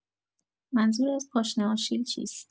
منظور از «پاشنه آشیل» چیست؟